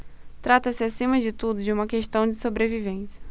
trata-se acima de tudo de uma questão de sobrevivência